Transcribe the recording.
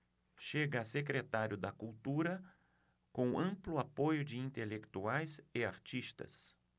chega a secretário da cultura com amplo apoio de intelectuais e artistas